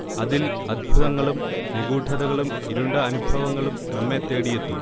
അതിൽ അത്ഭുതങ്ങളും നിഗൂഢതകളും ഇരുണ്ട അനുഭവങ്ങളും നമ്മേ തേടിയെത്തും